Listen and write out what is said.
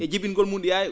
e jibingol mum ?i yaawi